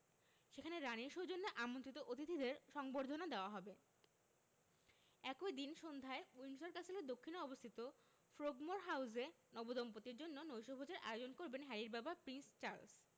সেখানে রানির সৌজন্যে আমন্ত্রিত অতিথিদের সংবর্ধনা দেওয়া হবে একই দিন সন্ধ্যায় উইন্ডসর ক্যাসেলের দক্ষিণে অবস্থিত ফ্রোগমোর হাউসে নবদম্পতির জন্য নৈশভোজের আয়োজন করবেন হ্যারির বাবা প্রিন্স চার্লস